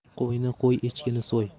qo'yni qo'y echkini so'y